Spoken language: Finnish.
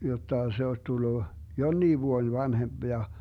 jotta se olisi tullut jonkin vuoden vanhempi ja